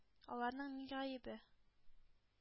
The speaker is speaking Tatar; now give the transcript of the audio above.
Аларның ни гаебе?..